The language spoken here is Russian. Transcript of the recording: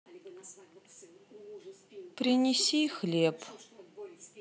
принеси хлеб